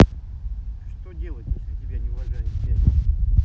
что делать если тебя не уважает дядя